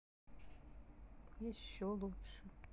еще лучше